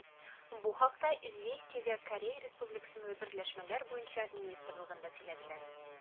Бу хакта «Известия»гә Корея Республикасының берләшмәләр буенча министрлыгында сөйләделәр.